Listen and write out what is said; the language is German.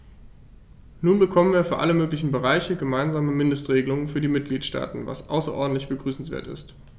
Nun bekommen wir für alle möglichen Bereiche gemeinsame Mindestregelungen für die Mitgliedstaaten, was außerordentlich begrüßenswert ist.